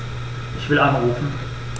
Ich will anrufen.